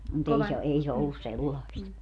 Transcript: mutta ei se ei se ollut sellaista